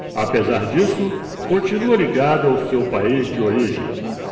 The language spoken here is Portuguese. apesar disso continua ligado ao seu país de origem